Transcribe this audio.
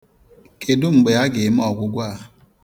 Kedụ mgbe a ga-eme ọgwụgwọ a.